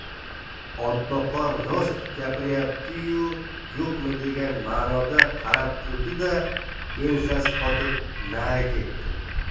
otboqar rost gapiryaptimi yo yo'qmi degan ma'noda qarab turdi da ensasi qotib nari ketdi